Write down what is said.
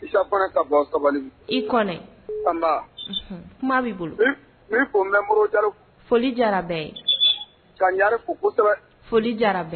Isa Kone ka bɔ Sabalibugu, i Kone, an ba, unhun , kuma b'i bolo, m'i m'i fo, n bɛ Modibo Jalo, foli diyara bɛɛ ye, ka Ɲare fo kosɛbɛ, foli diyara bɛ